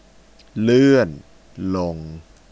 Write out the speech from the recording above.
เลื่อนลง